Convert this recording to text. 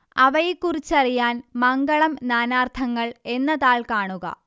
അവയെക്കുറിച്ചറിയാൻ മംഗളം നാനാർത്ഥങ്ങൾ എന്ന താൾ കാണുക